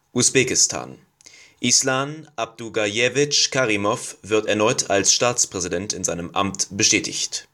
Usbekistan: Islam Abduganijewitsch Karimow wird erneut als Staatspräsident in seinem Amt bestätigt